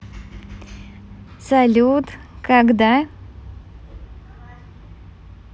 салют когда